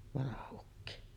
vanha ukki